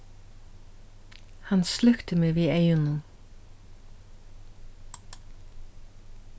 hann slúkti meg við eygunum